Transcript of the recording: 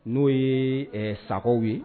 N'o ye sakɔw ye